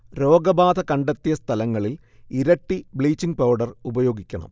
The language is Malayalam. രോഗബാധ കണ്ടെത്തിയ സ്ഥലങ്ങളിൽ ഇരട്ടി ബ്ലീച്ചിങ് പൗഡർ ഉപയോഗിക്കണം